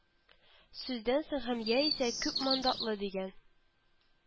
Сүздән соң һәм яисә күпмандатлы дигән